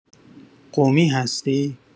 قمی هستی؟